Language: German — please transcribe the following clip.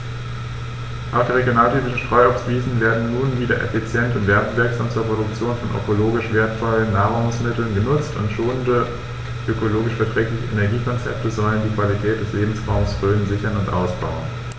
Auch die regionaltypischen Streuobstwiesen werden nun wieder effizient und werbewirksam zur Produktion von ökologisch wertvollen Nahrungsmitteln genutzt, und schonende, ökologisch verträgliche Energiekonzepte sollen die Qualität des Lebensraumes Rhön sichern und ausbauen.